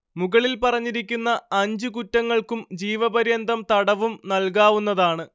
മുകളിൽ പറഞ്ഞിരിക്കുന്ന അഞ്ചു കുറ്റങ്ങൾക്കും ജീവപര്യന്തം തടവും നൽകാവുന്നതാണ്